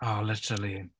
O literally.